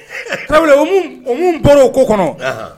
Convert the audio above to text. Tarawele, o mun o. mun. bɔra o ko kɔnɔ?